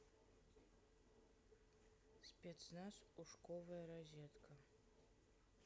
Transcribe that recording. спецназ ушковая розетка